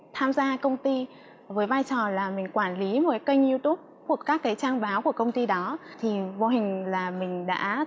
tham gia công ty với vai trò là mình quản lý một cái kênh riu túp thuộc các cái trang báo của công ty đó thì vô hình là mình đã